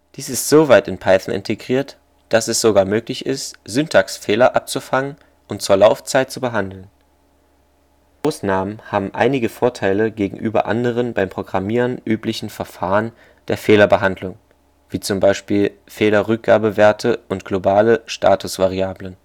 Dies ist so weit in Python integriert, dass es sogar möglich ist, Syntaxfehler abzufangen und zur Laufzeit zu behandeln. Ausnahmen haben einige Vorteile gegenüber anderen beim Programmieren üblichen Verfahren der Fehlerbehandlung (wie z.B. Fehler-Rückgabewerte und globale Statusvariablen